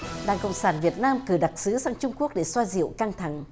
đảng cộng sản việt nam cử đặc sứ sang trung quốc để xoa dịu căng thẳng